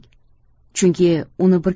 chunki uni bir kishi